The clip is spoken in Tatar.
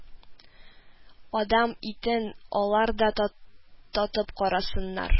Адәм итен алар да татып карасыннар